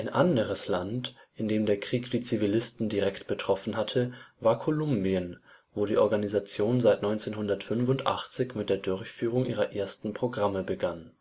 anderes Land, in dem der Krieg die Zivilisten direkt betroffen hatte, war Kolumbien, wo die Organisation 1985 mit der Durchführung ihrer ersten Programme begann